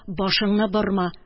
Башыңны борма!